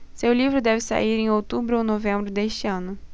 seu livro deve sair em outubro ou novembro deste ano